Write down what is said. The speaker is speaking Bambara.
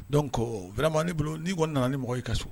Donc vraiment ne kɔni bolo n'i kɔni nana ni mɔgɔ y'i ka so